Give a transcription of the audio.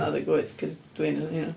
Naw deg wyth, cos dwi'n un o 'heina.